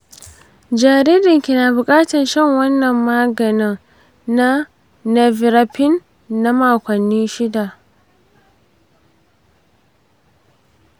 jaririnki na buƙatan shan wannan ruwan maganin na nevirapine na makonni shida.